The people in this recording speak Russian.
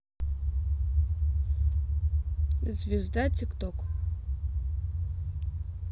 звезда tik tok